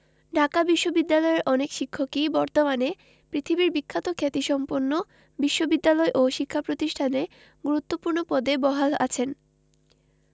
ঢাকা বিশ্ববিদ্যালয়ের অনেক শিক্ষকই বর্তমানে পৃথিবীর বিভিন্ন খ্যাতিসম্পন্ন বিশ্ববিদ্যালয় ও শিক্ষা প্রতিষ্ঠানে গুরুত্বপূর্ণ পদে বহাল আছেন